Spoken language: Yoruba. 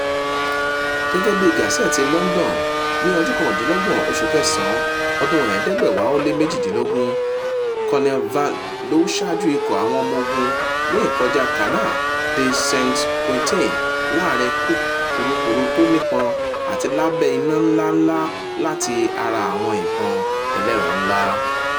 Gẹ́gẹ́bí Gásẹ́ẹ̀tì London, ní 29 oṣù kẹsàn án 1918, Lt Col Van ló saájú ìkọ̀ àwọn ọmọ ogun ní ìkọjá Canal de Saint-Quentin “láàrin kurukuru tó nípọ̀n àti lábẹ́ ẹ iná ńlá ńla láti ara àwọn ìbọ́n ẹlẹ́rọ ńlá."